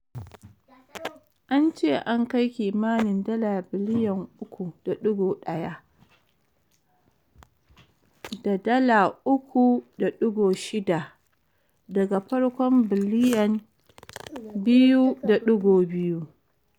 An ce an kai kimanin dala biliyan €3.1 ($ 3.6bn) - daga farkon biliyan €2.2.